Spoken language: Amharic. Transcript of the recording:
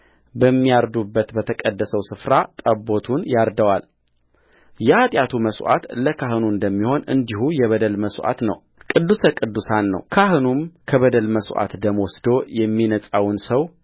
በሚያርዱበት በተቀደሰው ስፍራ ጠቦቱን ያርደዋል የኃጢአቱ መሥዋዕት ለካህኑ እንደሚሆን እንዲሁ የበደል መሥዋዕት ነው ቅዱስ ቅዱሳን ነውካህኑም ከበደል መሥዋዕት ደም ወስዶ የሚነጻውን ሰው